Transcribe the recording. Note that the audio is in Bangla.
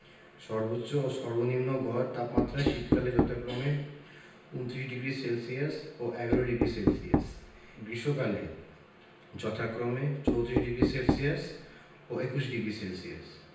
সর্বোচ্চ ও সর্বনিম্ন গড় তাপমাত্রা শীতকালে যথাক্রমে ২৯ ডিগ্রি সেলসিয়াস ও ১১ডিগ্রি সেলসিয়াস এবং গ্রীষ্মকালে যথাক্রমে ৩৪ডিগ্রি সেলসিয়াস ও ২১ডিগ্রি সেলসিয়াস